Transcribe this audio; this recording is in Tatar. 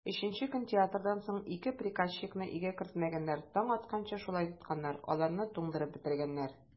Өченче көн театрдан соң ике приказчикны өйгә кертмәгәннәр, таң атканчы шулай тотканнар, аларны туңдырып бетергәннәр.